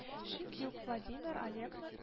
Шик юк: Владимир Алекно